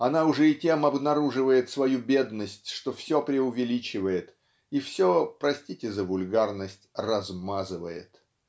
Она уже и тем обнаруживает свою бедность, что все преувеличивает и все простите за вульгарность "размазывает".